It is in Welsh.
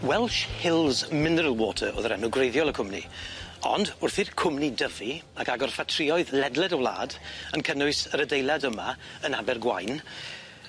Welsh Hills Mineral Water o'dd yr enw gwreiddiol y cwmni ond wrth i'r cwmni dyfu ac agor ffatrïoedd ledled y wlad yn cynnwys yr adeilad yma yn Abergwaun